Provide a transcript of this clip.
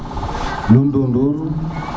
lul ndundur